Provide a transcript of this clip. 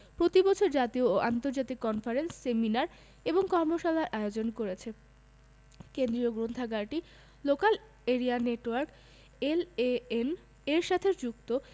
প্রতি বছর জাতীয় এবং আন্তর্জাতিক কনফারেন্স সেমিনার এবং কর্মশালার আয়োজন করেছে কেন্দ্রীয় গ্রন্থাগারটি লোকাল এরিয়া নেটওয়ার্ক এলএএন এর সাথে যুক্ত